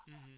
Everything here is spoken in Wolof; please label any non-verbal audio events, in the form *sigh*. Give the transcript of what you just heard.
*hesitation* *hesitation*